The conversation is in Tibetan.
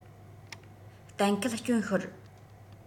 གཏན འཁེལ རྐྱོན ཤོར